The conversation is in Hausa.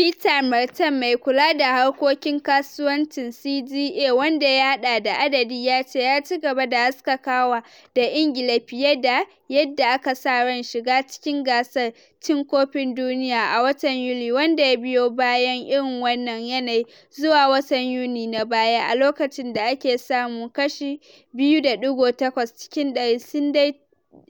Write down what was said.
Peter Martin, mai kula da harkokin kasuwancin CGA, wanda ya hada da adadi, ya ce: "Ya ci gaba da haskakawa da Ingila fiye da yadda aka sa ran shiga cikin gasar cin kofin duniya a watan Yuli, wanda ya biyo bayan irin wannan yanayin zuwa watan Yuni na baya, a lokacin da aka samu kashi 2.8 cikin dari,